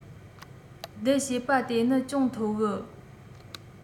བསྡུ བྱེད པ དེ ནི ཅུང མཐོ གི